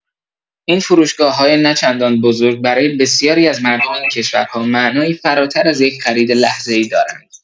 این فروشگاه‌های نه‌چندان بزرگ، برای بسیاری از مردم این کشورها، معنایی فراتر از یک خرید لحظه‌ای دارند.